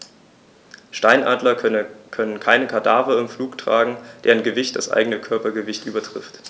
Steinadler können keine Kadaver im Flug tragen, deren Gewicht das eigene Körpergewicht übertrifft.